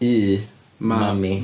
U mami.